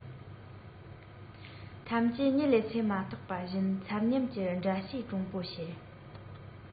ཐམས ཅད གཉིད ལས སད མ ཐག པ བཞིན མཚར ཉམས ཀྱི འདྲེན བྱེད གྲུང པོར ཕྱེ